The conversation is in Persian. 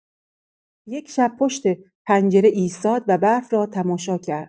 یک شب، پشت پنجره ایستاد و برف را تماشا کرد.